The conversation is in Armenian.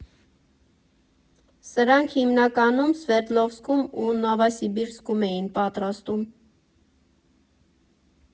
Սրանք հիմնականում Սվերդլովսկում ու Նովոսիբիրսկում էին պատրաստում։